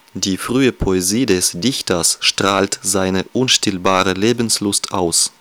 Die frühe Poesie des Dichters strahlt seine unstillbare Lebenslust aus